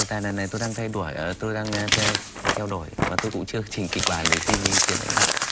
tài lần này tôi đang thay đuổi ở tôi đang đang theo theo đổi và tôi cũng chưa trình kịch bản để xin ý kiến lãnh đạo